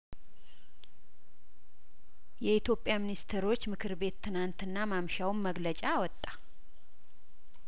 የኢትዮጵያ ሚኒስትሮች ምክር ቤት ትናንትና ማምሻውን መግለጫ አወጣ